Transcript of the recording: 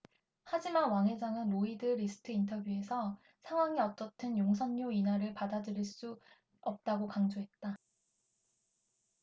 하지만 왕 회장은 로이드리스트 인터뷰에서 상황이 어떻든 용선료 인하를 받아들일 수 없다고 강조했다